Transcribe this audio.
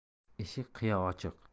eshik qiya ochiq